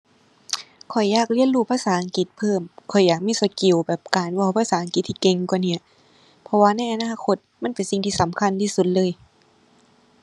ข้อยอยากเรียนรู้ภาษาอังกฤษเพิ่ม ข้อยอยากมีสกิลแบบการเว้าภาษาอังกฤษที่เก่งกว่านี้ เพราะว่าในอนาคตมันเป็นสิ่งที่สำคัญที่สุดเลย